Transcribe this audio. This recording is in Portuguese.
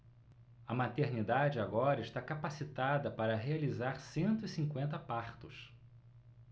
a maternidade agora está capacitada para realizar cento e cinquenta partos